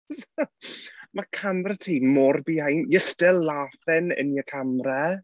Mae camera ti mor behind. You're still laughing in your camera.